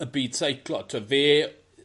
y byd seiclo t'wo' fe